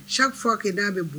Chaque fois que da bɛ